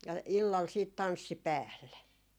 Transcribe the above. ja illalla sitten tanssi päälle